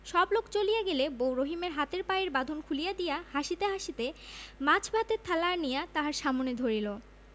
সবলোক চলিয়া গেলে বউ রহিমের হাতের পায়ের বাঁধন খুলিয়া দিয়া হাসিতে হাসিতে মাছ ভাতের থালা আনিয়া তাহার সামনে ধরিল